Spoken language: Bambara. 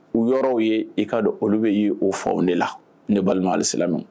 U yɔrɔw ye i ka don olu bɛ y'i o faw ne la ne balimasila